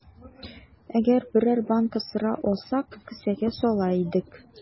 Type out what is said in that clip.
Әгәр берәр банка сыра алсак, кесәгә сала идек.